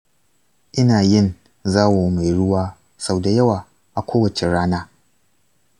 ina yin zawo mai ruwa sau da yawa a kowace rana.